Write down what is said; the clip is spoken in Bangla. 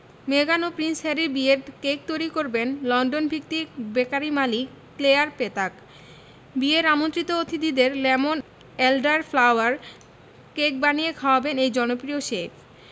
মেগান ও প্রিন্স হ্যারির বিয়ের কেক তৈরি করবেন লন্ডনভিত্তিক বেকারি মালিক ক্লেয়ার পেতাক বিয়ের আমন্ত্রিত অতিথিদের লেমন এলডার ফ্লাওয়ার কেক বানিয়ে খাওয়াবেন এই জনপ্রিয় শেফ